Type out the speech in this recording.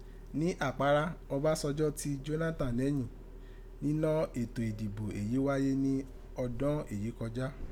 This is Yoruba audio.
Ni àpárá, Ọbásanjọ́ ti Jónátánì nẹ̀yìn nínọ́ ètò ìdìbò èyí wáyé ní ọdọ́n èyí kọjá.